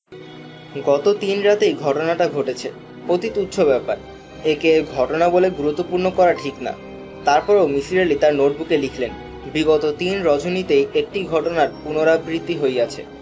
গত তিন রাতেই ঘটনাটা ঘটেছে অতি তুচ্ছ ব্যাপার একে ঘটনা বলে গুরুত্বপূর্ণ করা ঠিক না তারপরেও মিসির আলি তাঁর নােটবুকে লিখলেন বিগত তিন রজনীতেই একটি ঘটনার পুনরাবৃত্তি হইয়াছে